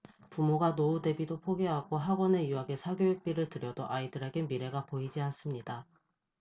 부모가 노후대비도 포기하고 학원에 유학에 사교육비를 들여도 아이들에겐 미래가 보이지 않습니다